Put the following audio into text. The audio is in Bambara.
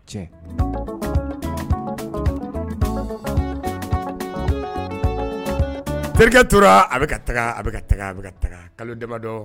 Terikɛ tora a bɛ ka taga a bɛ ka tagaa bɛ ka taga kalo damadɔ